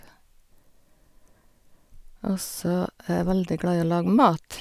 Og så er jeg veldig glad i å lage mat.